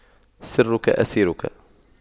سرك أسيرك